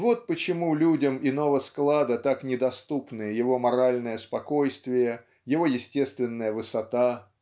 Вот почему людям иного склада так недоступны его моральное спокойствие его естественная высота